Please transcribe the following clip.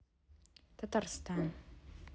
татарстан